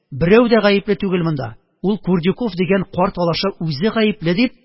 Берәү дә гаепле түгел монда. Ул Курдюков дигән карт алаша үзе гаепле, – дип